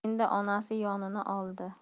endi onasi yonini oldi